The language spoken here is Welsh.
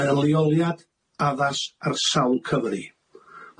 Mae o'n leoliad addas ar sawl cyfri.